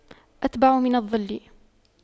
أتبع من الظل